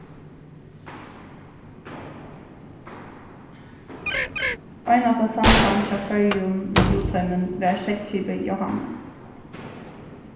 einasta samband hjá føroyum við útheimin var seglskipið jóhanna